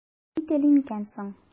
Ни телим икән соң?